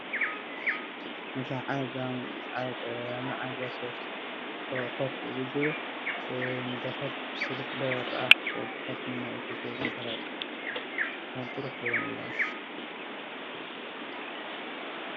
Waa boomba cadaan waxaa ku jira katiin qoorta la gaysto oo midabkiisu yahay dahabi